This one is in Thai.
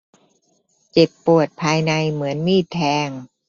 เจ็บปวดภายในเหมือนมีดแทง